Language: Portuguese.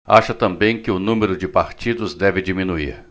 acha também que o número de partidos deve diminuir